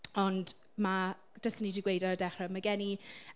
Ond ma'... dylswn i 'di gweud ar y dechrau, ma. gen i ...